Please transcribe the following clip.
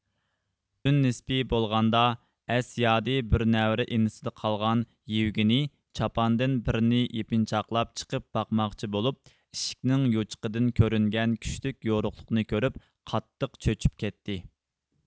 تۈن نىسپبى بولغاندا ئەس يادى بىرنەۋرە ئىنىسىدا قالغان يېۋگېنې چاپاندىن بىرنى يېپىنچاقلاپ چىقىپ باقماقچى بولۇپ ئىشىكنىڭ يوچۇقىدىن كۆرۈنگەن كۈچلۈك يورۇقلۇقنى كۆرۈپ قاتتىق چۆچۈپ كەتتى